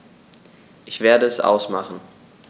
Ich werde es ausmachen